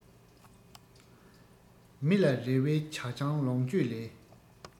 མི ལ རེ བའི ཇ ཆང ལོངས སྤྱོད ལས